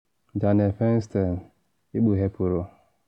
Dianne Feinstein, i kpughepuru?